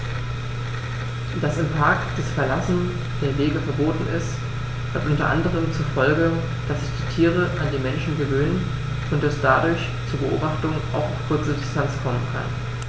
Dass im Park das Verlassen der Wege verboten ist, hat unter anderem zur Folge, dass sich die Tiere an die Menschen gewöhnen und es dadurch zu Beobachtungen auch auf kurze Distanz kommen kann.